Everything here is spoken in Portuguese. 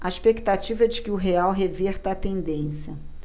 a expectativa é de que o real reverta a tendência